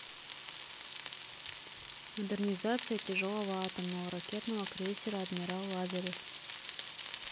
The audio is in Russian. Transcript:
модернизация тяжелого атомного ракетного крейсера адмирал лазарев